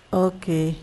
O